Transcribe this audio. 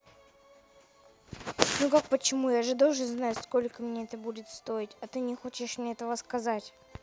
ну как почему я же должен знать сколько мне это будет стоить а ты не хочешь мне этого сказать